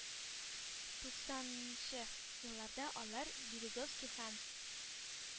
Туксаннчы елларда алар березовский һәм